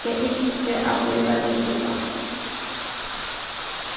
eg ynski at blíva ringd upp aftur